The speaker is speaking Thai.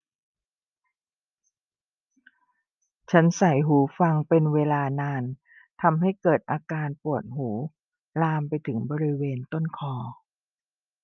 ฉันใส่หูฟังเป็นเวลานานทำให้เกิดอาการปวดหูลามไปถึงบริเวณต้นคอ